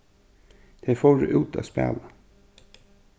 tey fóru út at spæla